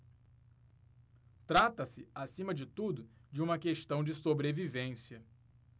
trata-se acima de tudo de uma questão de sobrevivência